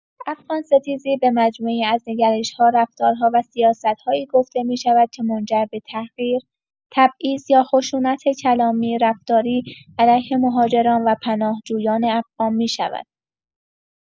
افغان‌ستیزی به مجموعه‌ای از نگرش‌ها، رفتارها و سیاست‌هایی گفته می‌شود که منجر به‌تحقیر،، تبعیض یا خشونت کلامی و رفتاری علیه مهاجران و پناه‌جویان افغان می‌شود.